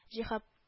Җиһап